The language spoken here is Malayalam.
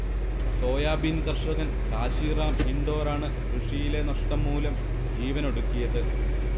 സോയാബീൻ കർഷകൻ കാശീറാം ഇൻഡോറാണ് കൃഷിയിലെ നഷ്ടം മൂലം ജീവനൊടുക്കിയത്